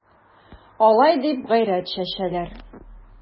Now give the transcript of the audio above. Алай дип гайрәт чәчәләр...